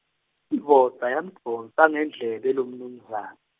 indvodza yamdvonsa ngendlebe lomnumzane.